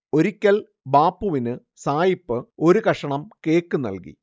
ഒരിക്കൽ ബാപ്പുവിന് സായിപ്പ് ഒരു കഷ്ണം കേക്കു നല്കി